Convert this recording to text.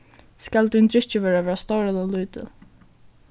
skal tín drykkjuvøra vera stór ella lítil